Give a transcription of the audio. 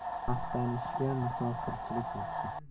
maqtanishga musofirchilik yaxshi